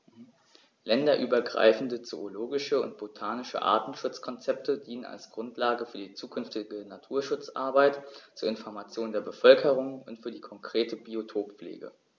Länderübergreifende zoologische und botanische Artenschutzkonzepte dienen als Grundlage für die zukünftige Naturschutzarbeit, zur Information der Bevölkerung und für die konkrete Biotoppflege.